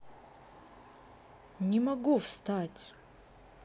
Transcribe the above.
не могу встать